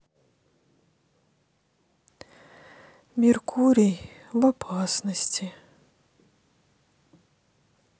меркурий в опасности